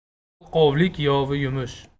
yalqovlik yovi yumush